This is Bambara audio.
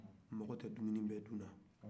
mɔgɔ tɛ dumini bɛɛ dunna